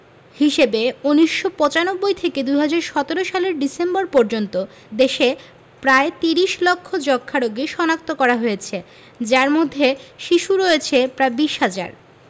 হিসেবে ১৯৯৫ থেকে ২০১৭ সালের ডিসেম্বর পর্যন্ত দেশে প্রায় ৩০ লাখ যক্ষ্মা রোগী শনাক্ত করা হয়েছে যার মধ্যে শিশু রয়েছে প্রায় ২০ হাজার